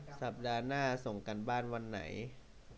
สัปดาห์หน้าส่งการบ้านวันไหน